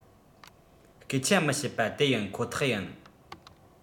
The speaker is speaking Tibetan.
སྐད ཆ མི བཤད པ དེ ཡིན ཁོ ཐག ཡིན